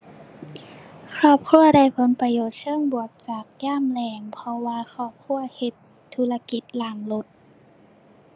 ครอบครัวได้ผลประโยชน์เชิงบวกจากยามแล้ง เพราะว่าครอบครัวเฮ็ดธุรกิจล้างรถ